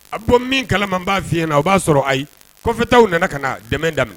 A bɔ min kala man b'a fiɲɛy na o b'a sɔrɔ ayitaw nana ka na dɛmɛ daminɛ